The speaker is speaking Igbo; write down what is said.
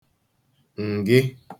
ǹgị